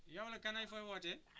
yow la kan ak fooy wootee